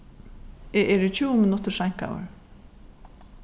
eg eri tjúgu minuttir seinkaður